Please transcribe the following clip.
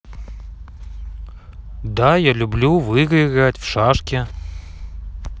да я люблю в игры играть в шашки